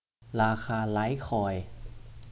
ราคาไลท์คอยน์